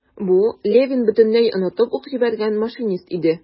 Бу - Левин бөтенләй онытып ук җибәргән машинист иде.